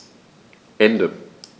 Ende.